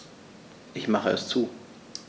Ich mache es zu.